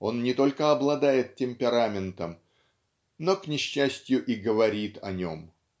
он не только обладает темпераментом но к несчастью и говорит о нем.